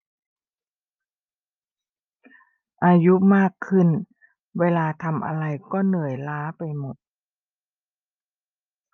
อายุมากขึ้นเวลาทำอะไรก็เหนื่อยล้าไปหมด